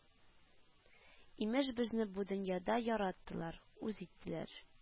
Имеш, безне бу дөньяда яраттылар, үз иттеләр